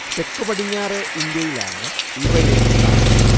തെക്കു പടിഞ്ഞാറെ ഇന്ത്യയിലാണ് ഇവയെ കാണുന്നത്